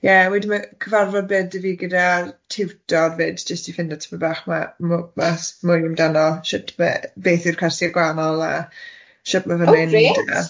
Ie wedyn ma' cyfarfod byd i fi gyda tiwtor fyd, jyst i ffindo tipyn bach ma' mw- ma' s- mwy amdano shwt be- beth yw'r cyrsiau'r gwanol a shwt ma' fe'n wneud a... O grêt.